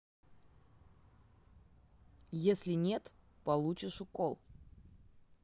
если нет получишь угол